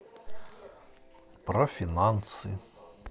про финансы